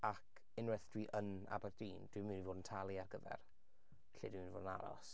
Ac unwaith dwi yn Aberdeen, dwi mynd i fod yn talu ar gyfer lle dwi mynd i fod yn aros.